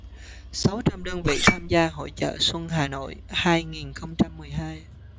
sáu trăm đơn vị tham gia hội chợ xuân hà nội hai nghìn không trăm mười hai